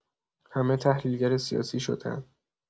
همه تحلیلگر سیاسی شدن.